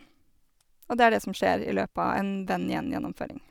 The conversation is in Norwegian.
Og det er det som skjer i løpet av en Venn 1-gjennomføring.